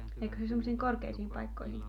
eikö se semmoisiin korkeisiin paikkoihin